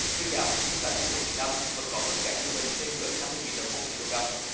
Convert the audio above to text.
tuy giảm nhưng tại khu vực miền nam vẫn có mức giá trung bình trên gần năm mươi nghìn đồng một ki lô gam